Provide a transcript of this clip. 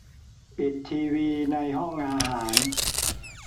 ปิดทีวีในห้องอาหาร